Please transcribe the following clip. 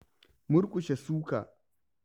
Murƙushe suka